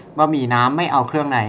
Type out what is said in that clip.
บะหมี่น้ำไม่เอาเครื่องใน